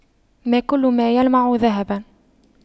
ما كل ما يلمع ذهباً